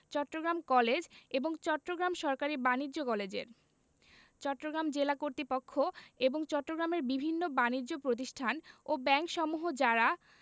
Chittagong college এবং চট্টগ্রাম সরকারি বাণিজ্য কলেজের চট্টগ্রাম জেলা কর্তৃপক্ষ এবং চট্টগ্রামের বিভিন্ন বানিজ্য প্রতিষ্ঠান ও ব্যাংকসমূহ যারা